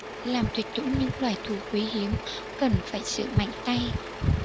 làm tuyệt chủng những loài thú quý hiếm cần phải xử mạnh tay